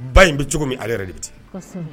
Ba in be cogo min, ale yɛrɛ de be ten kɔsɛbɛ